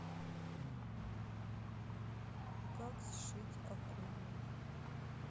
как сшить акулу